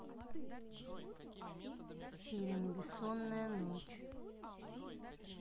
фильм бессонная ночь